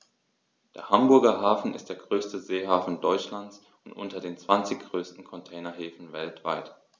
Der Hamburger Hafen ist der größte Seehafen Deutschlands und unter den zwanzig größten Containerhäfen weltweit.